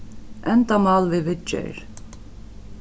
endamál við viðgerð